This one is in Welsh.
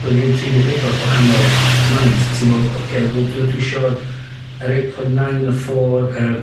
wel gin tri neu bedwar gwahanol maint ti me'wl oce wel dwi dwi isio'r yr eight poin' nine y four yr